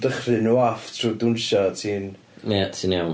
Trw- trwy dychryn nhw off trwy dawnsio, ti'n... Ia, ti'n iawn.